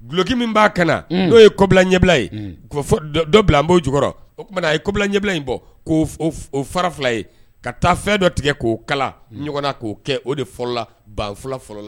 Gloki min b'a ka na n'o ye kobila ɲɛbila ye k' dɔ bila n boo jɔyɔrɔkɔrɔ o tumana a ye ko ɲɛ in bɔ k'o fara fila ye ka taa fɛn dɔ tigɛ k'o kala ɲɔgɔn k'o kɛ o de fɔlɔla banfula fɔlɔla